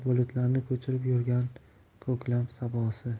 bulutlarni ko'chirib yurgan ko'klam sabosi